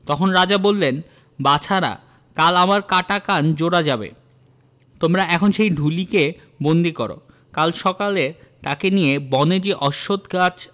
তখন রাজা বললেন বাছারা কাল আমার কাটা কান জোড়া যাবে তোমরা এখন সেই ঢুলিকে বন্দী কর কাল সকালে তাকে নিয়ে বনে যে অশ্বখ গাছ